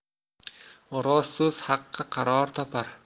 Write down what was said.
rost so'z haqqa qaror topar